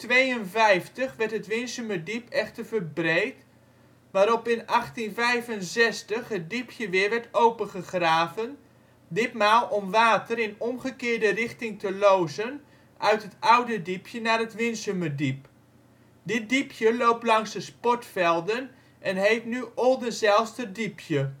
1852 werd het Winsumerdiep echter verbreed, waarop in 1865 het diepje weer werd opengegraven, ditmaal om water in omgekeerde richting te lozen uit het Oude Diepje naar het Winsumerdiep. Dit diepje loopt langs de sportvelden en heet nu Oldenzijlsterdiepje